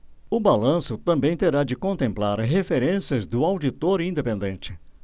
o balanço também terá que contemplar referências do auditor independente